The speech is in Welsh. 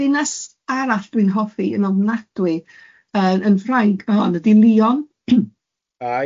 Dinas arall dwi'n hoffi yn ofnadwy yn yn Ffrainc, ma' hwn ydy Lyon. Ah ia.